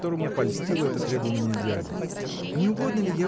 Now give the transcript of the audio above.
которому польстило это требование дяди. – Не угодно ли